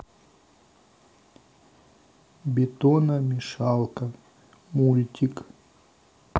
бетономешалка мультик